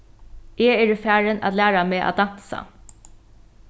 eg eri farin at læra meg at dansa